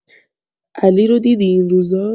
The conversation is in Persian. علی رو دیدی این روزا؟